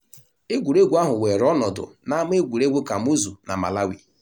Egwuregwu ahụ were ọnọdụ n'ama egwuregwu Kamuzu na Malawi.